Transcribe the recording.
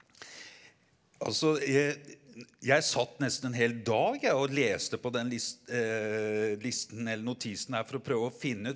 altså jeg satt nesten en hel dag jeg og leste på den listen eller notisen her for å prøve å finne ut.